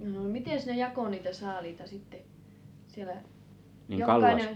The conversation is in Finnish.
no mitenkäs ne jakoi niitä saaliita sitten siellä jokainen